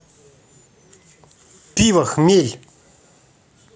пиво хмель